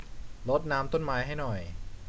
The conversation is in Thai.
รดน้ำต้นไม้ให้หน่อย